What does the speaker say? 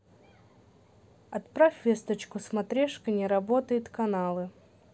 отправь весточку смотрешка не работает каналы